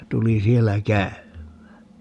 ja tuli siellä käymään